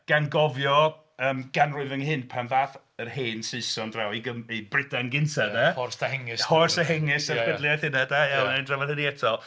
Gan gofio yym ganrif ynghynt pan ddaeth yr hen Saeson draw i Gymr- i Brydain gynta 'de. Horsa a Hengist a'r chwedl yna, da iawn. Wnawn ni drafod hynny eto.